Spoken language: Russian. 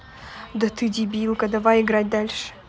да ты дебилка давай играть дальше